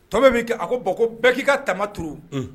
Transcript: To bɛ b min kɛ a ko bɔn ko bɛɛ k'i ka tama tuuru